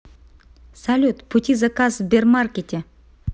салют пути заказ в сбермаркете